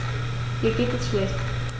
Mir geht es schlecht.